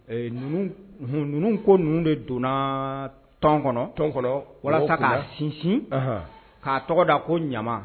Ninnu ko ninnu de donna tɔn kɔnɔ tɔn walasa k'a sinsin k'a tɔgɔ da ko ɲama